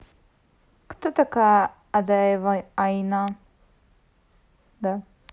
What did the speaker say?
кто такая адаева айна